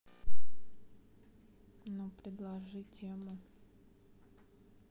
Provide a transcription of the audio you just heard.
ну предложи тему